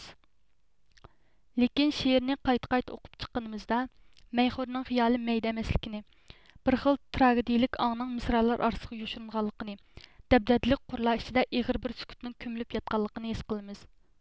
لېكىن شېئىرنى قايتا قايتا ئوقۇپ چىققىنىمىزدا مەيخورنىڭ خىيالى مەيدە ئەمەس لىكىنى بىر خىل تراگېدىيىلىك ئاڭنىڭ مىسرالار ئارىسىغا يوشۇرۇنغانلىقىنى دەبدەبىلىك قۇرلار ئىچىدە ئېغىر بىر سۈكۈتنىڭ كۆمۈلۈپ ياتقانلىقىنى ھېس قىلىمىز